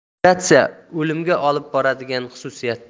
moderatsiya o'limga olib keladigan xususiyatdir